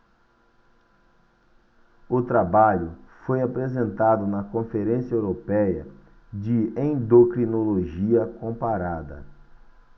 o trabalho foi apresentado na conferência européia de endocrinologia comparada